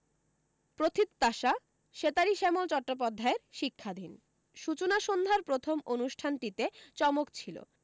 প্রথিত্যশা সেতারি শ্যামল চট্টোপাধ্যায়ের শিক্ষাধীন সূচনা সন্ধ্যার প্রথম অনুষ্ঠানটিতে চমক ছিল